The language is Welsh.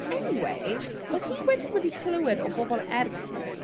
Anyway, oedd hi wedyn wedi clywed o bobl eraill...